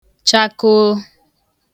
chakoo